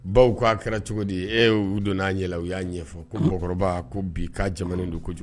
Baw k'a kɛra cogo di e u donna n'a yɛlɛ u y'a ɲɛfɔ ko mɔgɔkɔrɔba ko bi ka jamana don kojugu